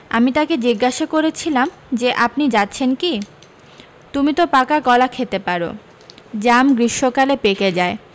আমি তাকে জিজ্ঞাসা করেছিলাম যে আপনি যাচ্ছেন কী তুমিতো পাকা কলা খেতে পারো জাম গ্রীষ্মকালে পেকে যায়